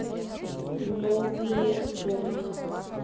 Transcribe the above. новые зомби